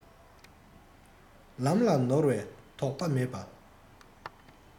ལམ ལ ནོར བའི དོགས པ མེད